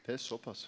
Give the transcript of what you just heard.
det er såpass.